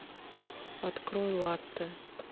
открой латте